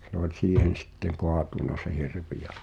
se oli siihen sitten kaatunut se hirvi ja